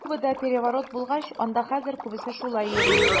Кубада переворот булгач, анда хәзер күбесе шулай йөри.